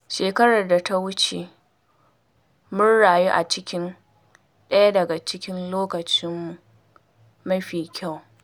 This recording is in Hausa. “Shekarar da ta wuce mun rayu a cikin ɗaya daga cikin lokacin mu mafi kyau.